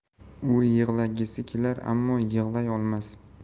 u yig'lagisi kelar ammo yig'lay olmas